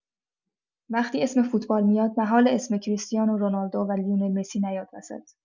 وقتی اسم فوتبال میاد، محاله اسم کریستیانو رونالدو و لیونل مسی نیاد وسط.